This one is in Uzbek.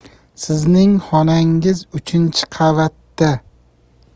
sizning xonangiz uchinchi qavatda